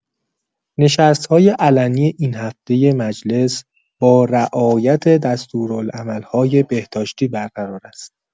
نشست‌های علنی این هفته مجلس با رعایت دستورالعمل‌های بهداشتی برقرار است.